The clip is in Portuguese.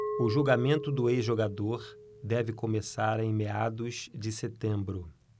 o julgamento do ex-jogador deve começar em meados de setembro